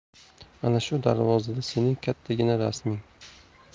ana shu darvozada sening kattagina rasming